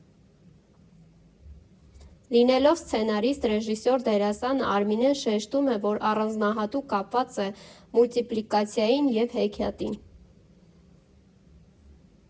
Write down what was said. Լինելով սցենարիստ, ռեժիսոր, դերասան՝ Արմինեն շեշտում է, որ առանձնահատուկ կապված է մուլտիպլիկացիային և հեքիաթին։